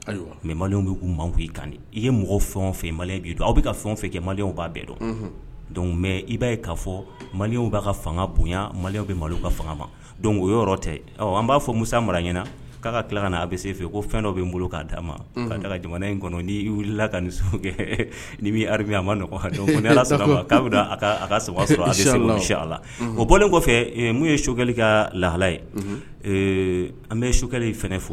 Mɛ ma bɛ' man kan di i ye mɔgɔ fɛn fɛ ma b'i don aw bɛ ka fɛn fɛ kɛ maliw b'a bɛɛ dɔn dɔnku i b'a ye k' fɔ maliw b'a ka fanga bonyayan mali bɛ malo ka fanga ma don o yɔrɔ tɛ an b'a fɔ musa mara ɲɛnaan k'a ka tila ka na a bɛ se fɛ yen ko fɛn dɔ bɛ n bolo k' d'a ma k'a da jamana in kɔnɔ n' wulila ka ni miri a ma nɔgɔɔgɔ hakɛ k'a bɛ ka sɔrɔ a se misi a la o bɔlen kɔfɛ nu ye sokɛkali ka lahala ye an bɛ sokɛkali f fɔ